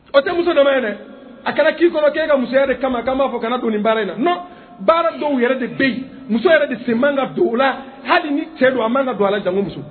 O tɛ muso dama ye dɛ, a ka na k'i kɔnɔ k'e ka musoya de kama k'an b'a fɔ kana don ni baara in la non baara dɔw de bɛ yen muso yɛrɛ de sen man ka don o la hali ni cɛ don a ma ka don a la jango muso.